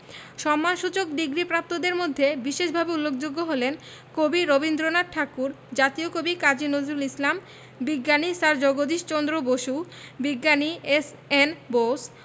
সম্মানসূচক ডিগ্রিপ্রাপ্তদের মধ্যে বিশেষভাবে উল্লেখযোগ্য হলেন কবি রবীন্দ্রনাথ ঠাকুর জাতীয় কবি কাজী নজরুল ইসলাম বিজ্ঞানী স্যার জগদীশ চন্দ্র বসু বিজ্ঞানী এস.এন বোস